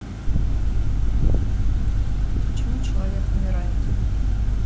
почему человек умирает